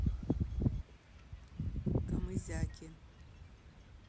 камызяки